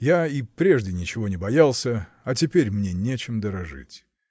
Я и прежде ничего не боялся, а теперь мне нечем дорожить.